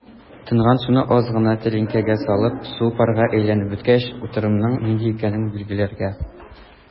Тонган суны аз гына тәлинкәгә салып, су парга әйләнеп беткәч, утырымның нинди икәнен билгеләргә.